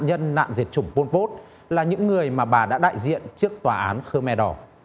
nhân nạn diệt chủng pôn pốt là những người mà bà đã đại diện trước tòa án khơ me đỏ